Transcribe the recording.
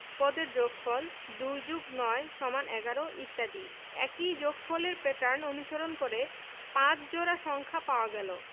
পদের যোগফল ২+৯=১১ ইত্যাদি একই যোগফলের প্যাটার্ন অনুসরণ করে ৫ জোড়া সংখ্যা পাওয়া গেল